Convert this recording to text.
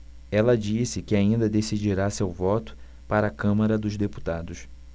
ela disse que ainda decidirá seu voto para a câmara dos deputados